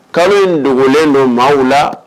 Kalo in dogolen don maaw la